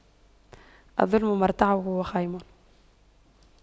الظلم مرتعه وخيم